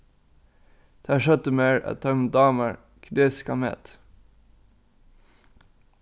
tær søgdu mær at teimum dámar kinesiskan mat